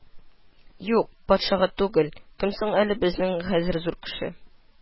Юк, патшага түгел, кем соң әле безнең хәзер зур кеше